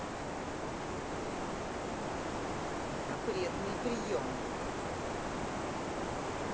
запретный прием